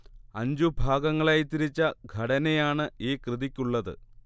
അഞ്ചു ഭാഗങ്ങളായി തിരിച്ച ഘടനയാണ് ഈ കൃതിക്കുള്ളത്